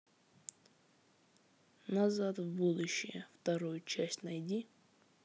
назад в будущее вторую часть найди